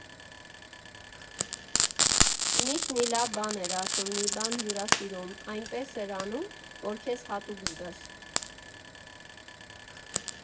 Միշտ մի լավ բան էր ասում, մի բան հյուրասիրում, այնպես էր անում, որ քեզ հատուկ զգաս։